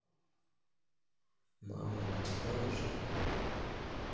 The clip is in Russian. мама ничего не жаль